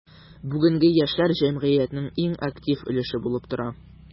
Бүгенге яшьләр – җәмгыятьнең иң актив өлеше булып тора.